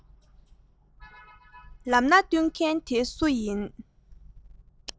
ལམ སྣ སྟོན མཁན དེ སུ ཡིན